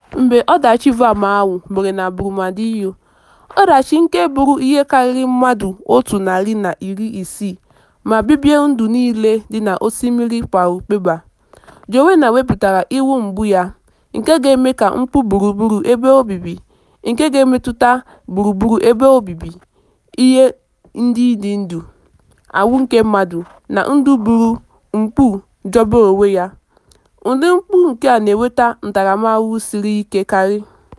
Mgbe ọdachi dam ahụ mere na Brumadinho, ọdachi nke gburu ihe karịrị mmadụ 160 ma bibie ndụ niile dị na Osimiri Paraopeba, Joenia webatara iwu mbụ ya, nke ga-eme ka mpụ gburugburu ebe obibi nke na-emetụta gburugburu ebe obibi ihe ndị dị ndụ, ahụike mmadụ, na ndụ bụrụ "mpụ jọgburu onwe ya", ụdị mpụ nke na-eweta ntaramahụhụ siri ike karị.